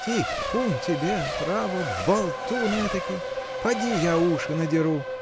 — Типун тебе, право, болтун этакий! Поди, я уши надеру!